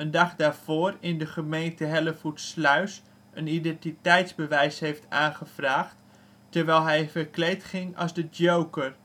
dag daarvoor in de gemeente Hellevoetsluis een identiteitsbewijs heeft aangevraagd terwijl hij verkleed ging als The Joker